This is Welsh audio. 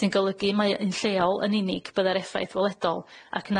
sy'n golygu mai yn lleol yn unig byddai'r effaith weledol ac